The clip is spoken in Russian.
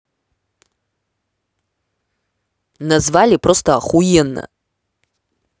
назвали просто охуенно